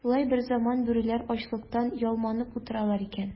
Шулай берзаман бүреләр ачлыктан ялманып утыралар икән.